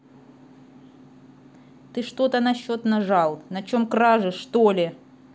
ты что то насчет нажал на чем кражи что ли